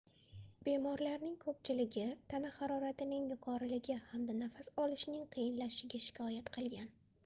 bemorlarning ko'pchiligi tana haroratining yuqoriligi hamda nafas olishining qiyinlashishiga shikoyat qilgan